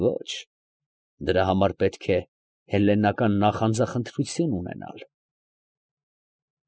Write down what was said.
Ոչ. դրա համար պետք է հելլենական նախանձախնդրություն ունենալ…։